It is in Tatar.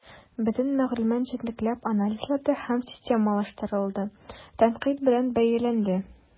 Бөтен мәгълүмат җентекләп анализланды һәм системалаштырылды, тәнкыйть белән бәяләнде.